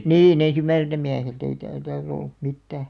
niin ensimmäiseltä mieheltä ei tällä taas ollut mitään